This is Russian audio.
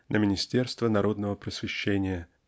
на министерство народного просвещения